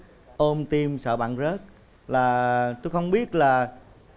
ôm tim sợ bạn rớt là tui không biết là